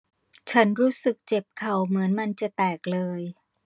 ฉันรู้สึกเจ็บเข่าเหมือนมันจะแตกเลย